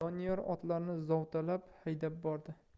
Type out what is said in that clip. doniyor otlarini zovtalab haydab bordi